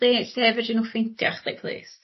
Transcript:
chdi llef fedryn n'w ffeindio chdi plîs?